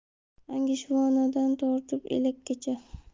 angishvonadan tortib elakkacha